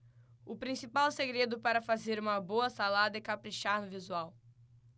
o principal segredo para fazer uma boa salada é caprichar no visual